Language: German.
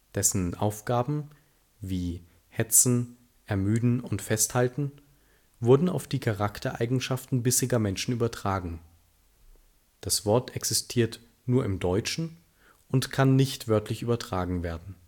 Dessen Aufgaben wie Hetzen, Ermüden und Festhalten wurden auf die Charaktereigenschaften bissiger Menschen übertragen. Das Wort existiert nur im Deutschen und kann nicht wörtlich übertragen werden